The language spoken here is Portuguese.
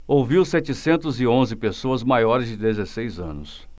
ouviu setecentos e onze pessoas maiores de dezesseis anos